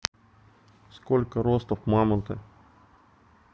сколько ростов мамонты